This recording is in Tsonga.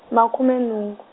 makhume nhungu.